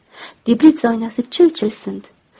teplitsa oynasi chil chil sindi